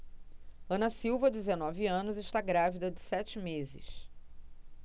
ana silva dezenove anos está grávida de sete meses